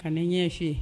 Ka nin ɲɛ f